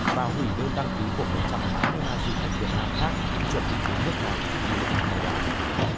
vào hủy đơn đăng ký của một trăm tám mươi hai du khách việt nam khác chuẩn bị đến nước này du lịch theo đoàn